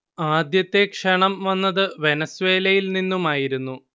ആദ്യത്തെ ക്ഷണം വന്നത് വെനസ്വേലയിൽ നിന്നുമായിരുന്നു